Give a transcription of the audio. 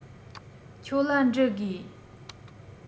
ཁྱོད ལ འདྲི དགོས